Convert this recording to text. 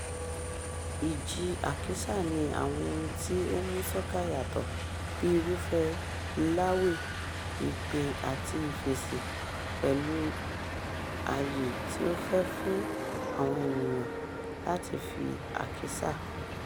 "Ìjì Àkísà" ní àwọn ohun tí ó mú soca yàtọ̀ — bíi irúfẹ́ lavway ìpè-àti-ìfèsì, pẹ̀lú àyè tí ó fẹ́ fún àwọn ènìyàn láti fi àkísà.